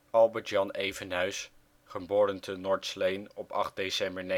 Albert-Jan Evenhuis (Noord-Sleen, 8 december 1941